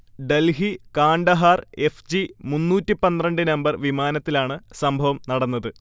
Delhi-Kandahar F. G മുന്നൂറ്റി പന്ത്രണ്ട് number വിമാനത്തിലാണ് സംഭവം നടന്നത്